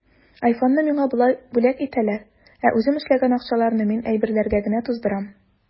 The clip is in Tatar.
Айфонны миңа болай бүләк итәләр, ә үзем эшләгән акчаларны мин әйберләргә генә туздырам.